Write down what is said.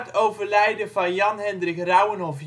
overlijden van Jan Hendrik Rauwenhoff